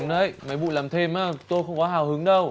đúng đấy mấy vụ làm thêm á tôi không có hào hứng đâu